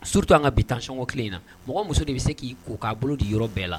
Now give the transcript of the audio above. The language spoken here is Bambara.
S sutu an ka bi tancɔn kelen in na mɔgɔ muso de bɛ se k'i ko k'a bolo di yɔrɔ bɛɛ la